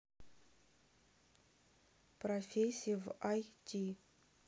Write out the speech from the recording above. профессии в ай ти